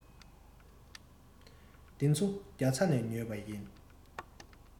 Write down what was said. འདི ཚོ ནི རྒྱ ཚ ནས ཉོས པ ཡིན